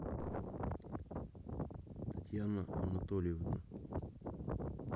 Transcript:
татьяна анатольевна